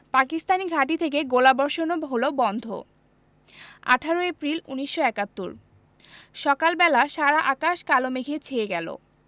পাকিস্তানি ঘাঁটি থেকে গোলাবর্ষণও হলো বন্ধ ১৮ এপ্রিল ১৯৭১ সকাল বেলা সারা আকাশ কালো মেঘে ছেয়ে গেল